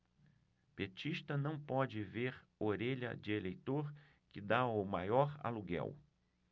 petista não pode ver orelha de eleitor que tá o maior aluguel